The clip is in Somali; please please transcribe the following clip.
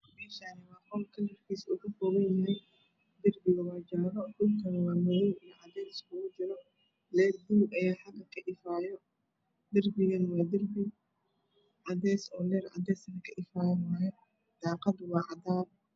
Meeshano waxa qol kalar kiso kakoban yahay dirbigu waa jaalo dhulka waa madow iyo cadees isku jiro leer bulug ah ayaa xaga ka ifayo dirbiganah waa mid cades oo leer cades ka ifaayo daqado nah waa cadaan